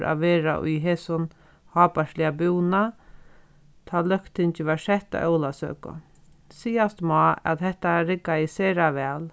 at vera í hesum hábærsliga búna tá løgtingið varð sett á ólavsøku sigast má at hetta riggaði sera væl